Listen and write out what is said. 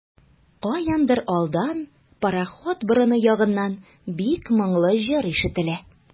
Каяндыр алдан, пароход борыны ягыннан, бик моңлы җыр ишетелә.